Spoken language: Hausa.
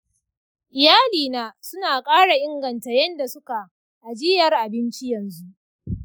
iyali na suna kara inganta yanda suka ajjiyar abinci yanzu.